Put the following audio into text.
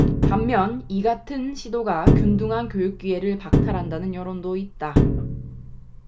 반면 이같은 시도가 균등한 교육기회를 박탈한다는 여론도 있다